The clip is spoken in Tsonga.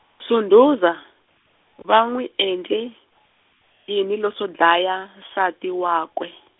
Sundhuza, va n'wi endle, yini leswo dlaya nsati wakwe ?